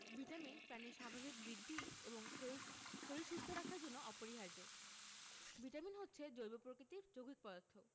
vitamin প্রাণীর স্বাভাবিক বৃদ্ধি এবং শরীর শরীর সুস্থ রাখার জন্য অপরিহার্য ভিটামিন হচ্ছে জৈব প্রকৃতির যৌগিক পদার্থ